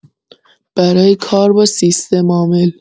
برای کار با سیستم‌عامل